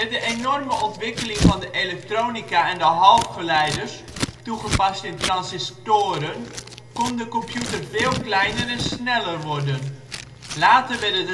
enorme ontwikkeling van de elektronica en de halfgeleiders, toegepast in transistoren, kon de computer veel kleiner en sneller worden. Later werden